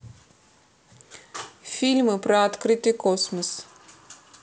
фильмы про открытый космос